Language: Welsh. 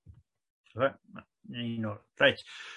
Rei- un nôl reit.